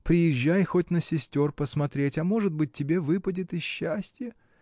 Приезжай хоть на сестер посмотреть; а может быть, тебе выпадет и счастье.